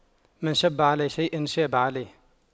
من شَبَّ على شيء شاب عليه